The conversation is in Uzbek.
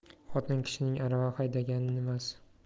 xotin kishining arava haydagani nimasi